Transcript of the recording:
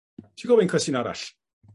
Dwi gofyn cwestiwn arall.